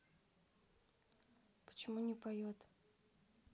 почему не поет